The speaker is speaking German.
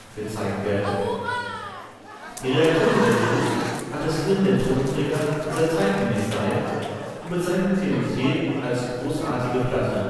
gezeigt werden. Die Redakteure der Juice attestieren dem Tonträger, dass er „ zeitgemäß “sei und bezeichnen TNT als „ großartige Platte